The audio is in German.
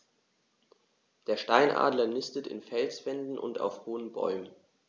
Der Steinadler nistet in Felswänden und auf hohen Bäumen.